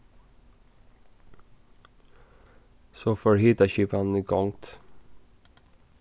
so fór hitaskipanin í gongd